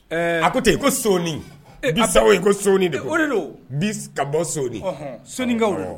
Ɛɛ a ko ten ko sooni e abaweyi ko sooni de ko don. E o de ko don o. Bis ka bɔ sooni. Ɔhɔn sooni kaw de don. Awɔɔ.